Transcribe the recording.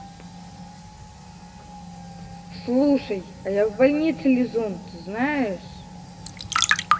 слушай а я в больнице лизун ты знаешь